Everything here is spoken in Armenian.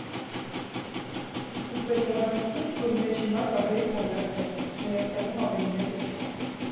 Ու սկսվեց հավաքածուն, որի մեջ հիմա կա վեց հազար թերթ՝ Հայաստանում ավելի մեծը չկա։